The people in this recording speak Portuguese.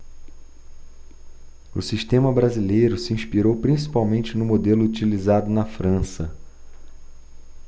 o sistema brasileiro se inspirou principalmente no modelo utilizado na frança